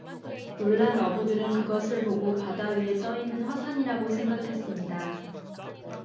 놀란 어부들은 그것을 보고 바다 위에 떠 있는 화산이라고 생각했습니다